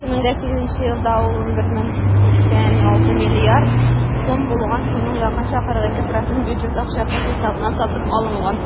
2008 елда ул 11,86 млрд. сум булган, шуның якынча 42 % бюджет акчасы хисабына сатып алынган.